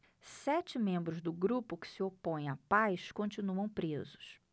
sete membros do grupo que se opõe à paz continuam presos